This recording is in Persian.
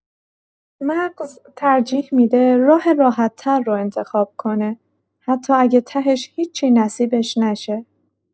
مغز ترجیح می‌ده راه راحت‌تر رو انتخاب کنه، حتی اگه تهش هیچی نصیبش نشه.